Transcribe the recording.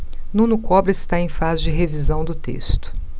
nuno cobra está em fase de revisão do texto